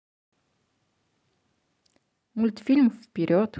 мультфильм вперед